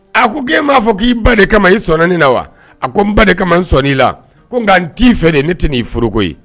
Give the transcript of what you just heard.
A ko e m b'a fɔ k'i ba de kama i sɔi na wa a ko n ba de ka n sɔ i la ko nka n t'i fɛ de ne tɛna n'i foroko ye